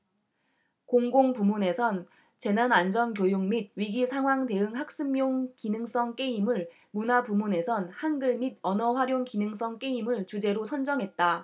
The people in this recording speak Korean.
공공 부문에선 재난안전교육 및 위기상황 대응 학습용 기능성 게임을 문화 부문에선 한글 및 언어활용 기능성 게임을 주제로 선정했다